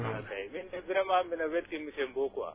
waaw kay